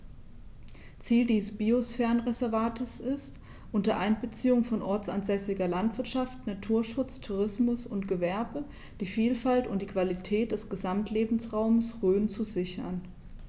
Ziel dieses Biosphärenreservates ist, unter Einbeziehung von ortsansässiger Landwirtschaft, Naturschutz, Tourismus und Gewerbe die Vielfalt und die Qualität des Gesamtlebensraumes Rhön zu sichern.